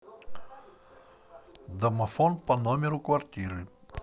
домофон по номеру квартиры